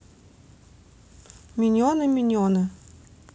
миньоны миньоны